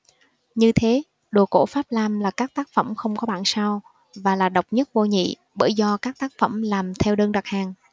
như thế đồ cổ pháp lam là các tác phẩm không có bản sao và là độc nhất vô nhị bởi do các tác phẩm làm theo đơn đặt hàng